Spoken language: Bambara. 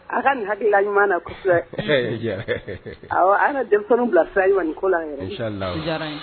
A ka nin hakilila ɲuman na filɛ an denmisɛnninw bila fila ɲuman ni ko ye